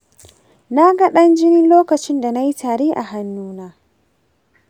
na ga ɗan jini lokacin da na yi tari a hannuna.